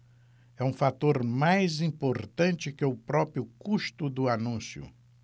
é um fator mais importante que o próprio custo do anúncio